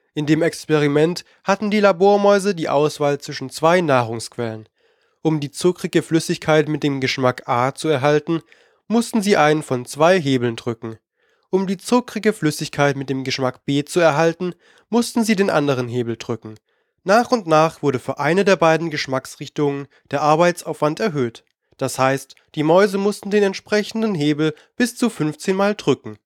In dem Experiment hatten die Labormäuse die Auswahl zwischen zwei Nahrungsquellen: Um die zuckrige Flüssigkeit mit dem Geschmack A zu erhalten, mussten sie einen von zwei Hebeln drücken. Um die zuckrige Flüssigkeit mit dem Geschmack B zu erhalten, mussten sie den anderen Hebel drücken. Nach und nach wurde für eine der beiden Geschmacksrichtungen der Arbeitsaufwand erhöht, d.h. die Mäuse mussten den entsprechenden Hebel bis zu 15 Mal drücken